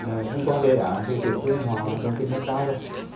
hà thông qua đề án thì tiểu thương họ đồng tình rất cao